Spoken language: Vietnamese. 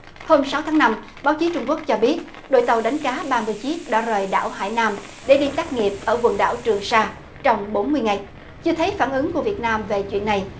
hôm sáu tháng năm báo chí trung quốc cho biết đội tàu đánh cá ba mươi chiếc đã rời đảo hải nam để đi tác nghiệp ở quần đảo trường sa trong bốn mươi ngày chưa thấy phản ứng của việt nam về chuyện này